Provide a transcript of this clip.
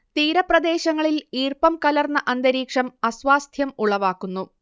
തീരപ്രദേശങ്ങളിൽ ഈർപ്പം കലർന്ന അന്തരീക്ഷം അസ്വാസ്ഥ്യം ഉളവാക്കുന്നു